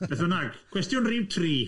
Beth'nag, cwestiwn rhif tri.